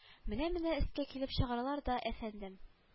Менә-менә өскә килеп чыгарлар да әфәндем